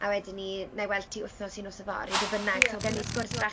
A wedyn 'ny wna i weld ti wythnos i nos yfory be bynnag... ie ie . ...so gawn ni sgwrs fach.